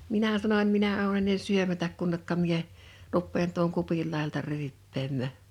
minä sanoin minä olen ennen syömättä kunne minä rupean tuon kupin laidalta ryyppäämään